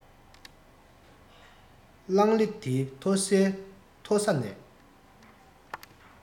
ལྒང ལི འདིའི མཐོ སའི མཐོ ས ན